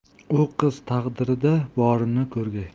u qiz taqdirida borini ko'rgay